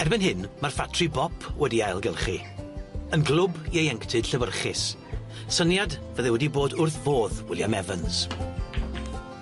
Erbyn hyn, ma'r ffatri bop wedi'i ailgylchu, yn glwb ieuenctid llewyrchus syniad fydde wedi bod wrth bodd William Evans.